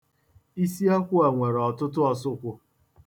Isi akwụ a nwere ọtụtụ ọsụkwụ.